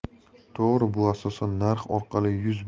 to'g'ri bu asosan narx orqali yuz